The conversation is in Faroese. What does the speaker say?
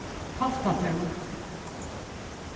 toftatún